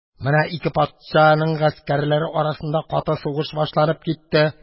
Менә ике патшаның гаскәрләре арасында каты сугыш башланып китте.